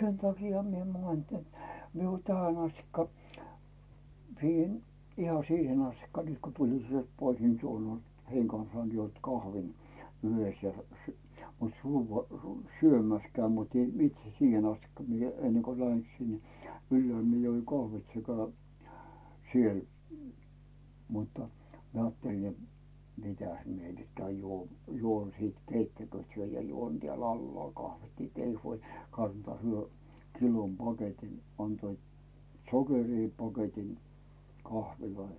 sen takiahan minä mainitsen että minä on tähän asti siihen ihan siihen asti nyt kun tulin sieltä pois niin tuolla oli heidän kanssaan juonut kahvin yhdessä ja ja - mutta -- syömässä käyn mutta itse siihen asti minä ennen kun lähden sinne ylhäällä minä join kahvit sekä siellä mutta minä ajattelin ja mitäs minä nyt käyn - juon sitten keittäkööt he ja juon täällä alhaalla kahvit niin että ei huoli kantaa he kilon paketin antoivat sokeria paketin kahveja niin